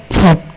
fop